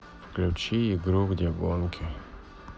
включи игру где гонки